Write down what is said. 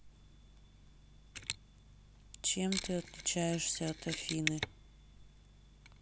чем ты отличаешься от афины